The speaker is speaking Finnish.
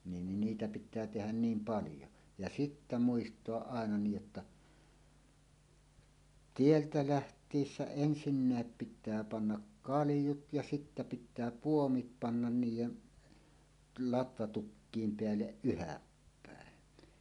niin niitä pitää tehdä niin paljon ja sitten muistaa aina niin jotta tieltä lähtiessä ensinnäkin pitää panna kaljut ja sitten pitää puomit panna niiden latvatukkien päälle yhdäpäin